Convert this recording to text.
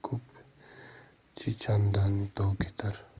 ko'p chechandan dov ketar